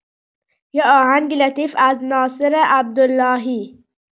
یه آهنگ لطیف از ناصر عبداللهی